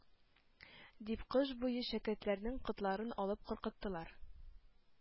Дип кыш буе шәкертләрнең котларын алып куркыттылар.